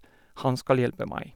Han skal hjelpe meg.